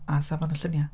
A safon y lluniau.